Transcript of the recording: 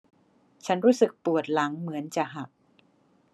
ฉันรู้สึกปวดหลังเหมือนจะหัก